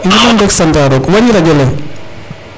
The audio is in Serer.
Maxey men rek santw'aa roog wañi rajo le .